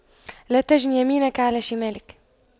لا تجن يمينك على شمالك